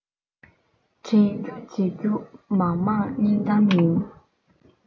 དྲན རྒྱུ བྱེད རྒྱུ མ མང སྙིང གཏམ ཡིན